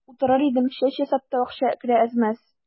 Утырыр идем, чәч ясап та акча керә әз-мәз.